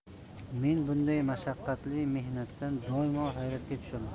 men bunday mashaqqatli mehnatdan doimo hayratga tushaman